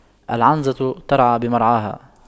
العنزة ترعى بمرعاها